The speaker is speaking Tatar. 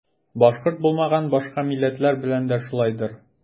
Башкорт булмаган башка милләтләр белән дә шулайдыр.